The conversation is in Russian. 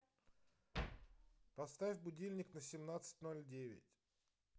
поставь будильник на семнадцать ноль девять